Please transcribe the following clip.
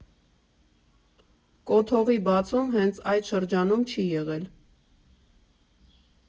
Կոթողի բացում հենց այդ շրջանում չի եղել.